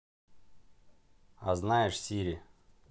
а знаешь сири